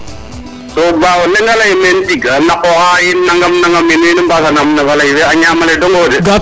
to ba leŋ a ley men tig o naqoxa yiin nangam nangam nangamin nu mbasa nam no faley fe a ñamale dongo de